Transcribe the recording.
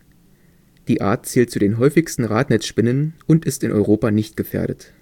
Die Art zählt zu den häufigsten Radnetzspinnen und ist in Europa nicht gefährdet